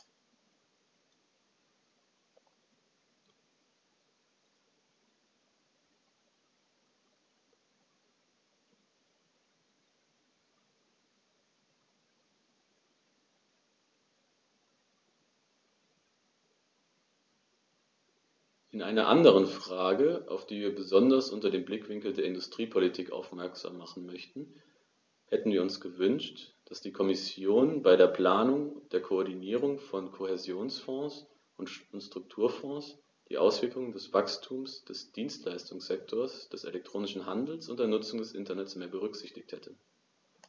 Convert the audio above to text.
In einer anderen Frage, auf die wir besonders unter dem Blickwinkel der Industriepolitik aufmerksam machen möchten, hätten wir uns gewünscht, dass die Kommission bei der Planung der Koordinierung von Kohäsionsfonds und Strukturfonds die Auswirkungen des Wachstums des Dienstleistungssektors, des elektronischen Handels und der Nutzung des Internets mehr berücksichtigt hätte.